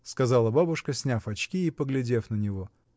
— сказала бабушка, сняв очки и поглядев на него.